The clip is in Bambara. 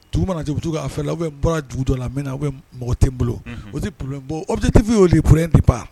Manacogo a fɛ aw bɛ bɔra dugu jɔ la min na bɛ mɔgɔ te bolo o tɛ p bɔ obi tɛfin'oli p tɛ ban